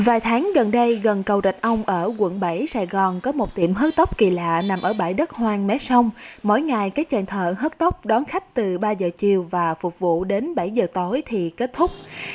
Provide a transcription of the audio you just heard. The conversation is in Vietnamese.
vài tháng gần đây gần cầu rạch ông ở quận bảy sài gòn có một tiệm hớt tóc kỳ lạ nằm ở bãi đất hoang mé sông mỗi ngày các chàng thợ hớt tóc đón khách từ ba giờ chiều và phục vụ đến bảy giờ tối thì kết thúc